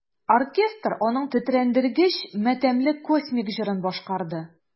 Оркестр аның тетрәндергеч матәмле космик җырын башкарды.